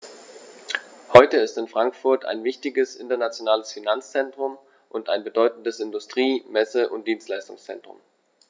Heute ist Frankfurt ein wichtiges, internationales Finanzzentrum und ein bedeutendes Industrie-, Messe- und Dienstleistungszentrum.